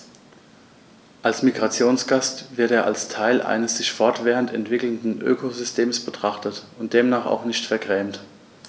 Als Migrationsgast wird er als Teil eines sich fortwährend entwickelnden Ökosystems betrachtet und demnach auch nicht vergrämt.